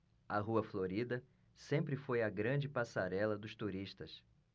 a rua florida sempre foi a grande passarela dos turistas